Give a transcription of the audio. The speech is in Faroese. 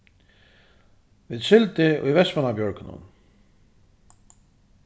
vit sigldu í vestmannabjørgunum